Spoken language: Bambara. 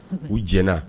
Kosɛbɛ u jɛna